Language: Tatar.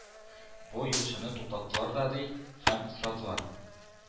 Бу юлчыны туктаттылар да, ди, һәм сорадылар